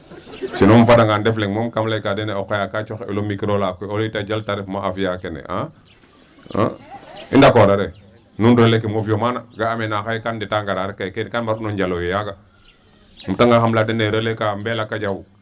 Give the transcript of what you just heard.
Si non um fadanga Ndefleng moom kaam layka den ee o qoya ka coox'el o micro la koy au lieu ta jal, ta refma a fi'a kene a i d' accord raye nuun relais ke moofyo maana ga'aam ee na xaye gan ndeta ngara kene kan mbar'uno njalooyo yaaga um retanga xam laya den ee relais ka Mbellacadiao.